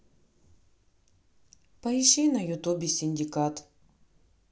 поищи на ютубе синдикат